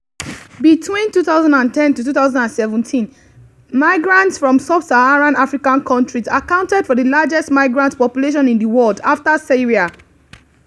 Between 2010-2017, migrants from sub-Saharan African countries accounted for the largest migrant population in the world after Syria.